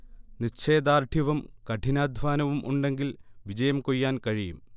നിശ്ചയ ദാർഢ്യവും കഠിനാധ്വാനവും ഉണ്ടെങ്കിൽ വിജയം കൊയ്യാൻ കഴിയും